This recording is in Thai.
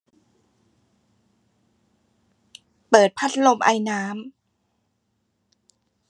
เปิดพัดลมไอน้ำ